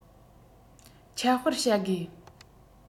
ཁྱབ སྤེལ བྱ དགོས